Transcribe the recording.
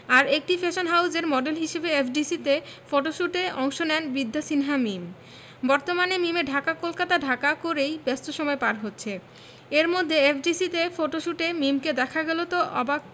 আর একটি ফ্যাশন হাউজের মডেল হিসেবে এফডিসি তে ফটোশ্যুটে অংশ নেন বিদ্যা সিনহা মীম বর্তমানে মিমের ঢাকা কলকাতা ঢাকা করেই ব্যস্ত সময় পার হচ্ছে এরমধ্যে এফডিসিতে ফটোশুটে মিমকে দেখা গেল তো অবাক